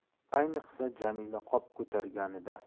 ayniqsa jamila qop ko'targanida